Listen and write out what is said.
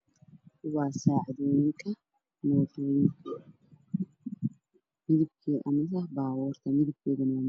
Wuxuu saacadooyinka baabuurta lagu dhajiyo midabkoodana waa caddaan